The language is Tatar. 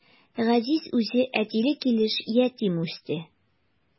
Газиз үзе әтиле килеш ятим үсте.